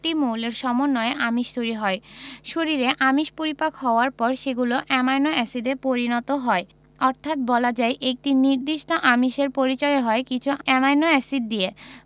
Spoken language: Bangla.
টি মৌলের সমন্বয়ে আমিষ তৈরি হয় শরীরে আমিষ পরিপাক হওয়ার পর সেগুলো অ্যামাইনো এসিডে পরিণত হয় অর্থাৎ বলা যায় একটি নির্দিষ্ট আমিষের পরিচয় হয় কিছু অ্যামাইনো এসিড দিয়ে